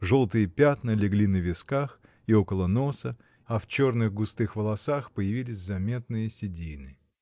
Желтые пятна легли на висках и около носа, а в черных густых волосах появились заметные седины.